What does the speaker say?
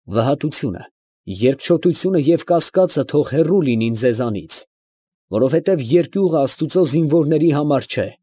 Վհատությունը, երկչոտությունը և կասկածը թո՛ղ հեռու լինին ձեզանից, որովհետև երկյուղը աստուծո զինվորների համար չէ։